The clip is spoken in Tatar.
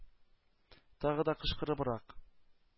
Тагы да кычкырыбрак: